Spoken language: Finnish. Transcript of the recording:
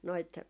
noita